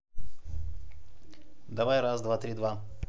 давай раз два три два